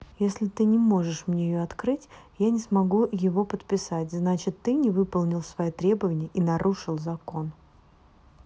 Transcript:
если ты не сможешь мне ее открыть я не смогу его подписать значит ты не выполнил свои требования и нарушил закон